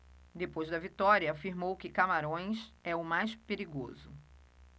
depois da vitória afirmou que camarões é o mais perigoso